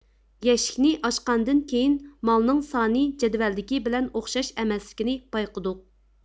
يەشىكنى ئاچقاندىن كېيىن مالنىڭ سانى جەدۋەلدىكى بىلەن ئوخشاش ئەمەسلىكىنى بايقىدۇق